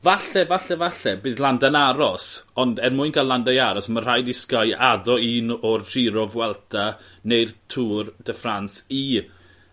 falle falle falle bydd Landa yn aros. Ond er mwyn ga'l Landa i aros ma' rhaid i Sky addo un o'r Giro Vuelta neu'r Tour de France i